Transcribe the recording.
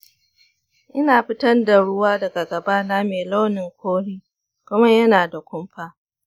ina fitar da ruwa daga gabana mai launin kore kuma yana da kumfa.